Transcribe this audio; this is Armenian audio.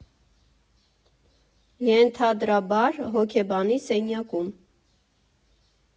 Ենթադրաբար՝ հոգեբանի սենյակում։